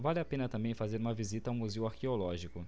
vale a pena também fazer uma visita ao museu arqueológico